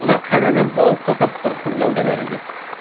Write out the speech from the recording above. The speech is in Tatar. Кунакханәне балкытып торсын гәүдәләрегез!